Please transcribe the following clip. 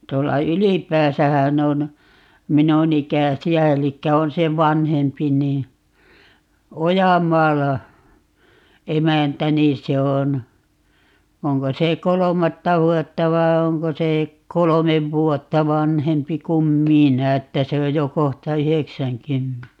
tuolla Ylipäässähän on minun ikäisiä eli on se vanhempi niin Ojamaalla emäntä niin se on onko se kolmatta vuotta vai onko se kolme vuotta vanhempi kuin minä että se on jo kohta yhdeksänkymmenen